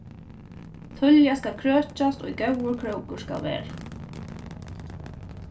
tíðliga skal krøkjast ið góður krókur skal verða